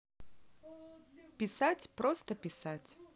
писать просто писать